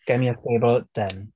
Get me a stable, done.